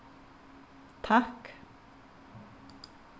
takk